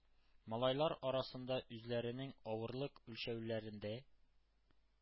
Малайлар арасында үзләренең авырлык үлчәүләрендә